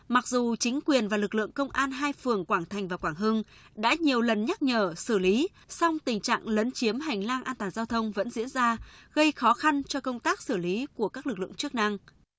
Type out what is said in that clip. mặc dù chính quyền và lực lượng công an hai phường quảng thành và quảng hưng đã nhiều lần nhắc nhở xử lý song tình trạng lấn chiếm hành lang an toàn giao thông vẫn diễn ra gây khó khăn cho công tác xử lý của các lực lượng chức năng